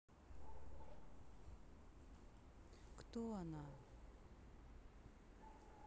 кто она